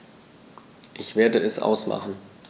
Ich werde es ausmachen